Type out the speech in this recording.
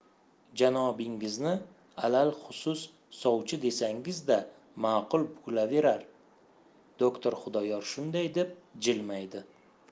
janobingizni alalxusus sovchi desangiz da ma'qul bo'laverar doktor xudoyor shunday deb jilmaydi